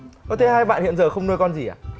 với thứ hai bạn hiện giờ không nuôi con gì